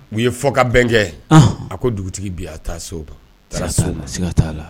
U ye fɔ ka bɛn kɛ a ko dugutigi bi a taa se sin t la